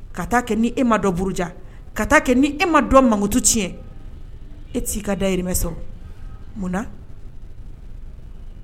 Ka taa kɛ ni e ma dɔn buruja. Ka taa kɛ ni e ma dɔn mankutu tiɲɛ , e ti ka dahimɛ sɔrɔ. Munna?